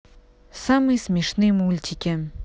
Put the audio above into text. самые смешные мультики